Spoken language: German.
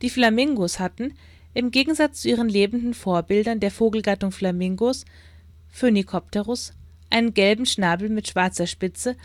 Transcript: Flamingos hatten – im Gegensatz zu ihren lebenden Vorbildern, der Vogelgattung der Flamingos (Phoenicopterus) – einen gelben Schnabel mit schwarzer Spitze